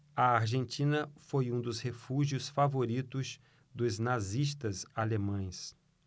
a argentina foi um dos refúgios favoritos dos nazistas alemães